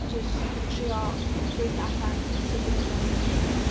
Jyst yn trio gweithio allan sut yn union maen nhw'n wneud o.